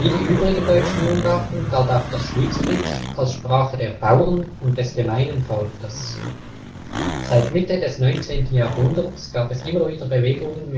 übrigen deutschen Mundarten galt auch das Schwyzerdütsch als Sprache der Bauern und des gemeinen Volkes. Seit Mitte des 19. Jahrhunderts gab es immer wieder Bewegungen